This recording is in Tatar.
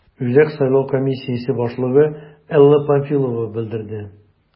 Үзәк сайлау комиссиясе башлыгы Элла Памфилова белдерде: